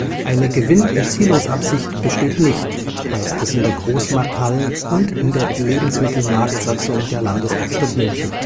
Eine Gewinnerzielungsabsicht besteht nicht “, heißt es in der Großmarkthallen - und in der Lebensmittelmarktsatzung der Landeshauptstadt München